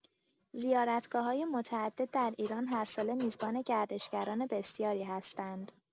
زیارتگاه‌های متعدد در ایران هر ساله میزبان گردشگران بسیاری هستند.